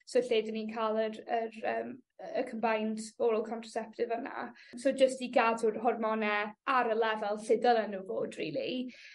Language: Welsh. So lle 'dyn ni'n ca'l yr yr yym yy y combined oral contraceptive yna so jyst i gadw'r hormone ar y lefel sud dyle n'w fod rili.